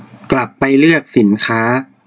กลับไปเลือกสินค้า